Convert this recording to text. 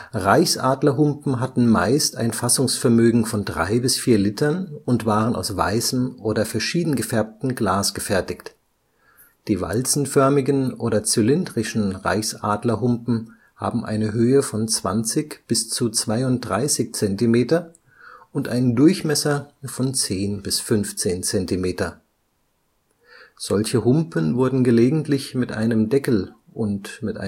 Reichsadlerhumpen hatten meist ein Fassungsvermögen von drei bis vier Litern und waren aus weißem oder verschieden gefärbtem Glas gefertigt. Die walzenförmigen oder zylindrischen Reichsadlerhumpen haben eine Höhe von 20 bis zu 32 cm und einen Durchmesser von 10 bis 15 cm. Solche Humpen wurden gelegentlich mit einem Deckel und mit